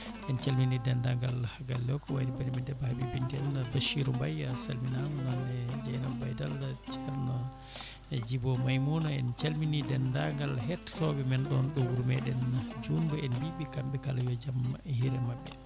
en calmini dengal ha galle o ko wayno banimen debbo Haby Binta en Bachirou Mbaye a calminama nonne Dieynaba Baydal ceerno e Djibo Maimouna en calmini dendagal hettotoɓe men ɗon ɗo wuuro meɗen Joumbo en mbiɓe kamɓe kala yo jaam hiire mabɓe